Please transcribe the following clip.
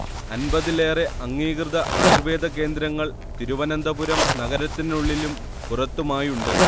അൻപതിലേറെ അംഗീകൃത ആയുർവേദ കേന്ദ്രങ്ങൾ തിരുവനന്തപുരം നഗരത്തിനുള്ളിലും പുറത്തുമായുണ്ട്